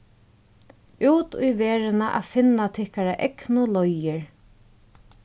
út í verðina at finna tykkara egnu leiðir